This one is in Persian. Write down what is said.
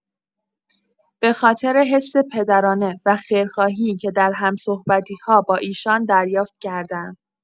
به‌خاطر حس پدرانه و خیرخواهی که در هم‌صحبتی‌ها با ایشان دریافت کرده‌ام.